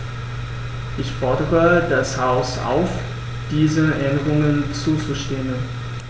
Ich fordere das Haus auf, diesen Änderungen zuzustimmen.